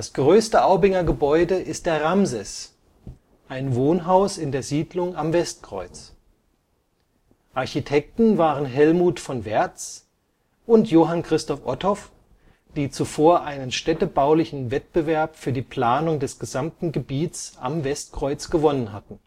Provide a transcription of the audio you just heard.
größte Aubinger Gebäude ist der Ramses, ein Wohnhaus in der Siedlung Am Westkreuz. Architekten waren Helmut von Werz und Johann-Christoph Ottow, die zuvor einen städtebaulichen Wettbewerb für die Planung des gesamten Gebiets Am Westkreuz gewonnen hatten